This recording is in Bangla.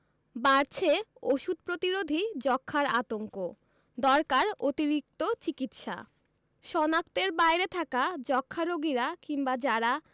বাড়ছে ওষুধ প্রতিরোধী যক্ষ্মার আতঙ্ক দরকার অতিরিক্ত চিকিৎসা শনাক্তের বাইরে থাকা যক্ষ্মা রোগীরা কিংবা যারা